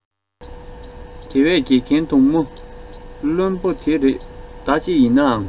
དེ བས དགེ རྒན དུང མོ བརློན པ དེ རེས ཟླ གཅིག ཡིན ནའང